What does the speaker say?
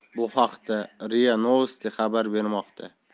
bu haqda ria novosti xabar bermoqda